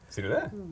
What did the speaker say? sier du det?